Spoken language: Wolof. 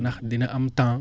ndax dina am temps